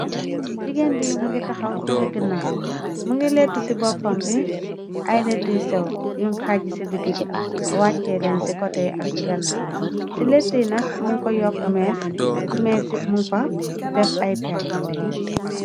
Jigéen bi mungi taxaw jaxe ginnaaw mungi lettu ci boppam bi ay lettuyu séew yu xaaje ci digg bi wàche leen ci kotey ak ci ganaw ci letti nak mun ko yokk mees ci meesci mum fa def ay peer.